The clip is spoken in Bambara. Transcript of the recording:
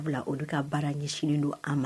U bila u bi taa baara ncinin di an ma